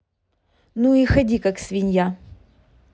ну и ходи как свинья